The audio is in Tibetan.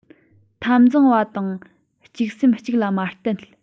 འཐབ འཛིང པ དང གཅིག སེམས གཅིག ལ མ གཏད